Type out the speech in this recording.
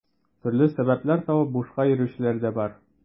Төрле сәбәпләр табып бушка йөрүчеләр дә бар.